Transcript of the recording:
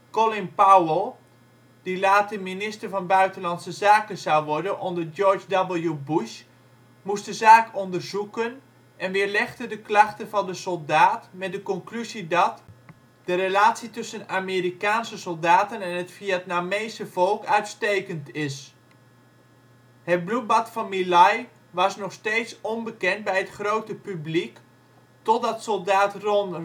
Colin Powell, die later Minister van Buitenlandse Zaken zou worden onder George W. Bush, moest de zaak onderzoeken en weerlegde de klachten van de soldaat met de conclusie dat " de relatie tussen Amerikaanse soldaten en het Vietnamese volk uitstekend is ". Het bloedbad van My Lai was nog steeds onbekend bij het grote publiek, totdat soldaat Ron